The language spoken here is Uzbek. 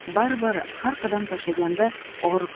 bari bir har qadam tashlaganda og'riqqa